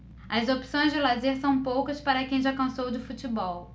as opções de lazer são poucas para quem já cansou de futebol